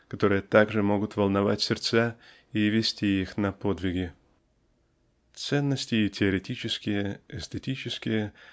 которые также могут волновать сердца и вести их на подвиги. Ценности теоретические эстетические